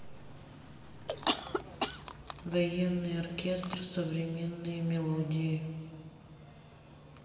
военный оркестр современные мелодии